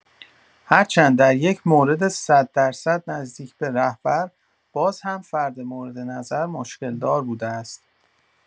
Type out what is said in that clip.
هرچند در یک مورد ۱۰۰ درصد نزدیک به رهبر، باز هم فرد مورد نظر مشکل‌دار بوده است.